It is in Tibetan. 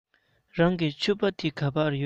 རང གི ཕྱུ པ དེ ག པར ཡོད